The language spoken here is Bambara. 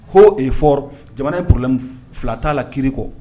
H e fɔ jamana inur fila t'a la kiri kɔ